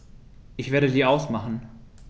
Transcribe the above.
Ich werde sie ausmachen.